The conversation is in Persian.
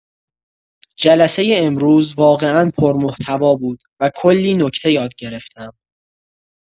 جلسۀ امروز واقعا پرمحتوا بود و کلی نکته یاد گرفتم.